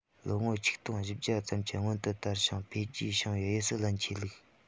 ལོ ངོ ཆིག སྟོང བཞི བརྒྱ ཙམ གྱི སྔོན དུ དར ཞིང འཕེལ རྒྱས བྱུང བའི དབྱི སི ལན ཆོས ལུགས